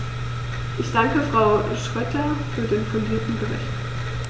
Ich danke Frau Schroedter für den fundierten Bericht.